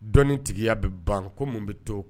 Dɔɔnin tigiya bɛ ban ko mun bɛ to